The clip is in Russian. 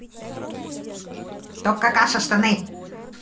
топ какаша штаны